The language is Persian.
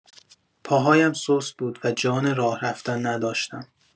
پاهایم سست بود و جان راه‌رفتن نداشتم.